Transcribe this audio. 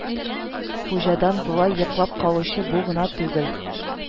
Хуҗада болай йоклап калучы бу гына түгел